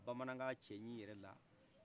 bamanankan cɛɲi yɛrɛ la